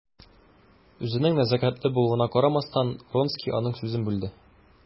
Үзенең нәзакәтле булуына карамастан, Вронский аның сүзен бүлде.